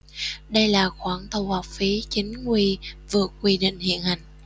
đây là khoản thu học phí chính quy vượt quy định hiện hành